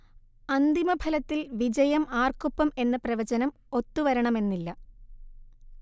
അന്തിമഫലത്തിൽ വിജയം ആർക്കൊപ്പം എന്ന പ്രവചനം ഒത്തുവരണമെന്നില്ല